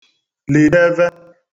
lìdeve